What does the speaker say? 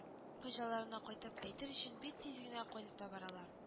Хуҗаларына кайтып әйтер өчен бит тиз генә кайтып та баралар